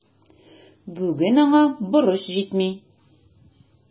Бүген аңа борыч җитми.